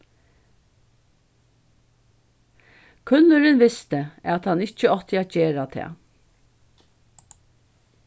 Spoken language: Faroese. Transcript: kúllurin visti at hann ikki átti at gera tað